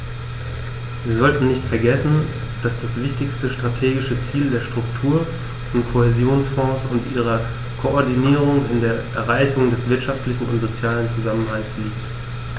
Wir sollten nicht vergessen, dass das wichtigste strategische Ziel der Struktur- und Kohäsionsfonds und ihrer Koordinierung in der Erreichung des wirtschaftlichen und sozialen Zusammenhalts liegt.